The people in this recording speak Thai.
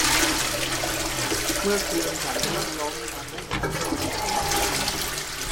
เมื่อคืนฉันลื่นล้มทำให้ฉันปวดหลัง